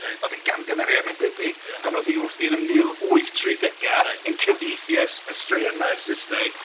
..oedd yn gamgymeriad mae'n debyg, pan oedd hi wrthi yn mil wyth tri degau yn cyfieithu'r straeon 'ma i'r Saesneg.